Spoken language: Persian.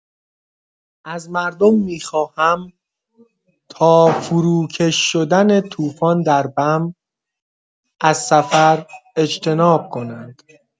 از مردم می‌خواهم تا فروکش شدن طوفان در بم، از سفر اجتناب کنند.